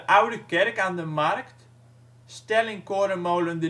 Oude Kerk aan de Markt Stellingkorenmolen